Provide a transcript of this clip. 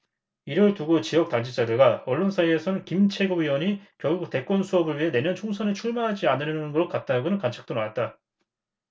이를 두고 지역 당직자들과 언론 사이에선 김 최고위원이 결국 대권 수업을 위해 내년 총선에 출마하지 않으려는 것 같다는 관측도 나왔다